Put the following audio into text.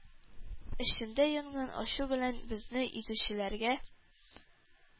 Эчемдә янган ачу белән безне изүчеләргә